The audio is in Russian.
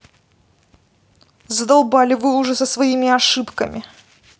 задолбали вы уже со своими ошибками